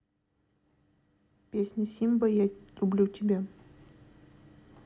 песня симба я люблю тебя